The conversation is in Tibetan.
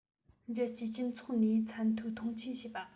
རྒྱལ སྤྱིའི སྤྱི ཚོགས ནས ཚད མཐོའི མཐོང ཆེན བྱེད པ